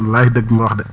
wallaay dëgg nga wax de